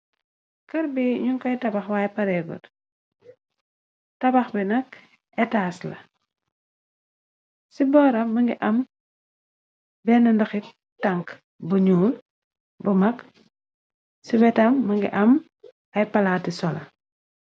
kër bi ñu koy tabax waay paréegur tabax bi nak etaas la ci booram mangi am benn ndoxi tank bu ñuul bu mag ci wetam mëngi am ay palaati solo